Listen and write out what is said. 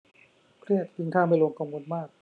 เครียดกินข้าวไม่ลงกังวลมาก